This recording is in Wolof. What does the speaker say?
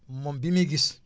moom bi muy gis